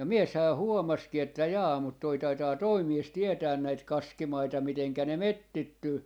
ja mieshän huomasikin että jaa mutta tuo taitaa tuo mies tietää näitä kaskimaita miten ne metsittyy